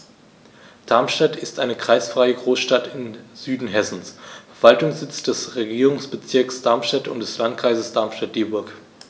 Darmstadt ist eine kreisfreie Großstadt im Süden Hessens, Verwaltungssitz des Regierungsbezirks Darmstadt und des Landkreises Darmstadt-Dieburg.